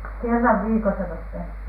kerran viikossako sitä